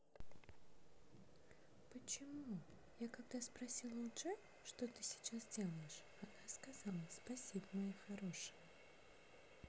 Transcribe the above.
почему я когда спросила у джой что ты сейчас делаешь она сказала спасибо моя хорошая